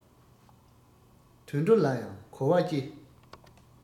དུད འགྲོ ལ ཡང གོ བ སྐྱེ